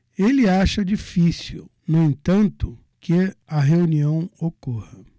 ele acha difícil no entanto que a reunião ocorra